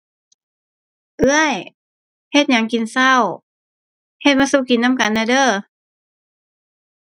เอื้อย เฮ็ดหยังกินเช้า เฮ็ดมาสู่กินนำกันแหน่เด้อ